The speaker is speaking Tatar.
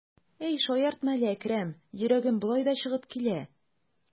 Әй, шаяртма әле, Әкрәм, йөрәгем болай да чыгып килә.